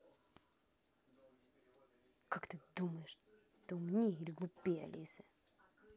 как ты думаешь ты умнее или глупее алисы